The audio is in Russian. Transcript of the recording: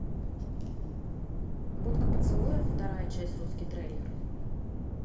будка поцелуев вторая часть русский трейлер